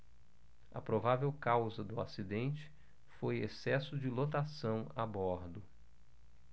a provável causa do acidente foi excesso de lotação a bordo